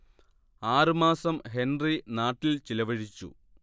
ആറുമാസം ഹെൻറി നാട്ടിൽ ചിലവഴിച്ചു